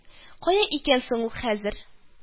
Кая икән соң ул хәзер